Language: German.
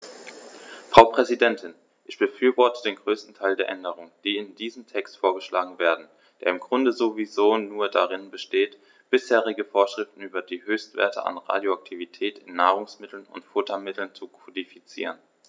Frau Präsidentin, ich befürworte den größten Teil der Änderungen, die in diesem Text vorgeschlagen werden, der im Grunde sowieso nur darin besteht, bisherige Vorschriften über die Höchstwerte an Radioaktivität in Nahrungsmitteln und Futtermitteln zu kodifizieren.